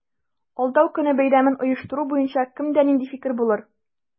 Алдау көне бәйрәмен оештыру буенча кемдә нинди фикер булыр?